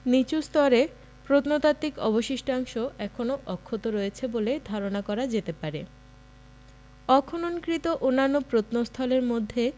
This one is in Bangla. নিুতর স্তরে প্রত্নতাত্ত্বিক অবশিষ্টাংশ এখনও অক্ষত রয়েছে বলে ধারণা করা যেতে পারে অখননকৃত অন্যান্য প্রত্নস্থলের মধ্যে